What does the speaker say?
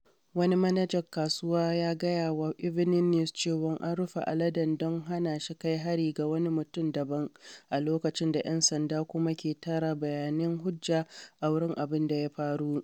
Wani manajan kasuwa ya gaya wa Evening News cewa an rufe aladen don hana shi kai hari ga wani mutum daban, a lokacin da ‘yan sanda kuma ke tara bayanan hujja a wurin da abin ya faru.